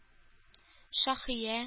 Шаһия